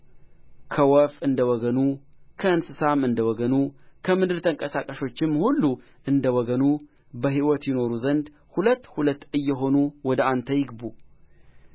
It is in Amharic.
ከአንተ ጋር በሕይወት ይኖሩ ዘንድ ሥጋ ካለው ከሕያው ሁሉ ሁለት ሁለት እያደረግህ ወደ መርከብ ታገባለህ ተባትና እንስት ይሁን